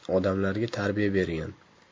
odamlarga tarbiya bergan